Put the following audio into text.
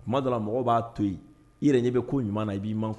Kuma dɔ la ,.mɔgɔw ba to yen. I yɛrɛ ɲɛ bi ko ɲuman la i bi makun.